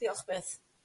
diolch byth.